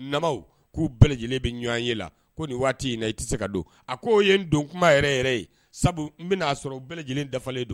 Naw k'u bɛɛ lajɛlen bɛ ɲɔgɔn ye la ko nin waati in na i tɛ se ka don a ko o ye n don kuma yɛrɛ yɛrɛ ye sabu n bɛna'a sɔrɔ bɛɛ lajɛlen dafalen don